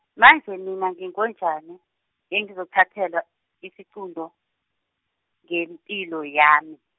manje mina ngingonjani, engizothathelwa isiqunto, ngempilo yami.